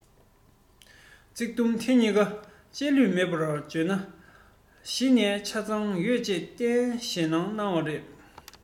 ཚིག དུམ དེ གཉིས ཀ ཆད ལུས མེད པར བརྗོད ན གཞི ནས ཆ ཚང ཡོད ཅེས ནན བཤད གནང བ རེད